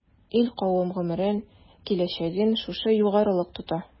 Ил-кавем гомерен, киләчәген шушы югарылык тота.